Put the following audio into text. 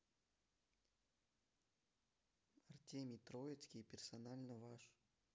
артемий троицкий персонально ваш